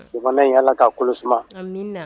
Jamana in yala' kolo suma